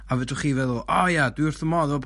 a fedrwch chi feddwl o ia dwi wrth 'ym modd efo...